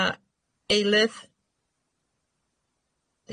A eilydd?